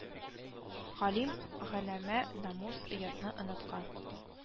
Галим-голәмә, намус, оятны оныткан